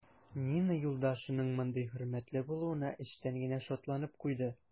Нина юлдашының мондый хөрмәтле булуына эчтән генә шатланып куйды.